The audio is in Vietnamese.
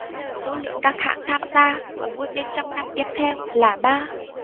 số lượng các hãng tham gia của mỗi bên trong năm tiếp theo là ba